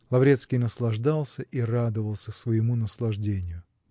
Лаврецкий наслаждался и радовался своему наслаждению.